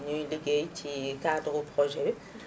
ñuy liggéey ci cadre projet bi